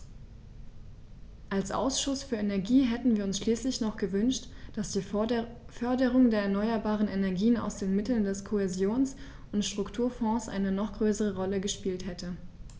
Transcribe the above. Als Ausschuss für Energie hätten wir uns schließlich noch gewünscht, dass die Förderung der erneuerbaren Energien aus den Mitteln des Kohäsions- und Strukturfonds eine noch größere Rolle gespielt hätte.